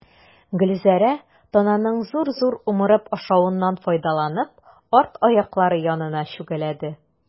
Гөлзәрә, тананың зур-зур умырып ашавыннан файдаланып, арт аяклары янына чүгәләде.